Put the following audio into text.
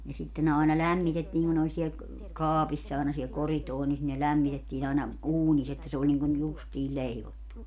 ja sitten ne aina lämmitettiin kun ne oli siellä kaapissa aina siellä koridorissa ne lämmitettiin aina uunissa että se oli niin kuin justiin leivottu